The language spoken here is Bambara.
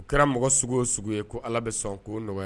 U kɛra mɔgɔ sugu o sugu ye ko Ala bɛ sɔn k'o nɔgɔya